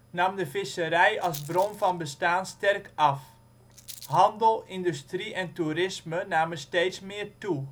nam de visserij als bron van bestaan sterk af. Handel, industrie en toerisme namen steeds meer toe